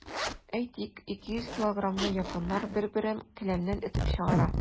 Әйтик, 200 килограммлы японнар бер-берен келәмнән этеп чыгара.